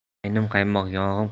qaynim qaymoq yog'im